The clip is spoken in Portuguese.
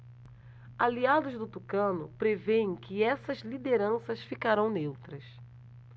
aliados do tucano prevêem que essas lideranças ficarão neutras